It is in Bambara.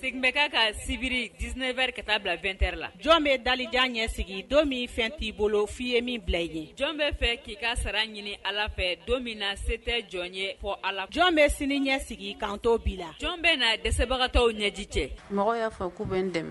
segin bɛ ka ka sibiri d7 wɛrɛri ka taa bila2t la jɔn bɛ dajan ɲɛsigi don min fɛn t'i bolo f'i ye min bila i ye jɔn bɛ fɛ k'i ka sara ɲini ala fɛ don min na se tɛ jɔn ye fɔ a la jɔn bɛ sini ɲɛ sigi kantɔn bi la jɔn bɛ na dɛsɛbagatɔw ɲɛji cɛ mɔgɔ y'a bɛ dɛmɛ